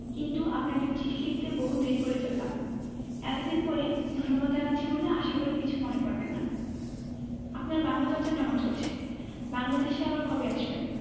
কিন্তু আপনাদের চিঠি লিখতে বহু দেরী করে ফেললাম এতদিন পরে ধন্যবাদ জানাচ্ছি বলে আশা করি কিছু মনে করবেন না আপনার বাংলা চর্চা কেমন চলছে বাংলাদেশে আবার কবে আসবেন